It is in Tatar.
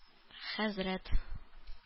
Хәзрәт